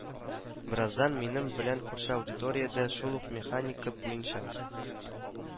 Бераздан минем белән күрше аудиториядә шул ук механика буенча